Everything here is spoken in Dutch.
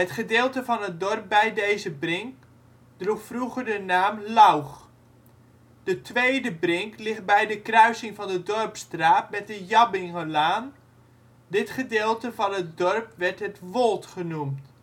gedeelte van het dorp bij deze brink droeg vroeger de naam Loug. De tweede brink ligt bij de kruising van de Dorpsstraat met de Jabbingelaan. Dit gedeelte van het dorp werd het Wold genoemd